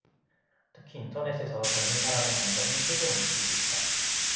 특히 인터넷에서 젊은 사람의 감정이 크게 움직이고 있다